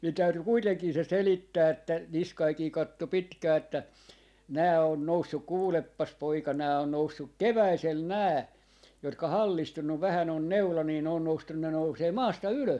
minun täytyi kuitenkin se selittää että Niskanenkin katsoi pitkään että nämä on noussut kuulepas poika nämä on noussut keväisellä nämä jotka hallistunut vähän on neula niin ne on noustu ne nousee maasta ylös